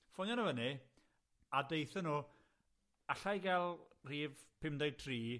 ffonio nw fyny, a daethon nw, alla i gael rhif pumdeg tri.